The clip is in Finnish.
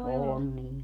on niillä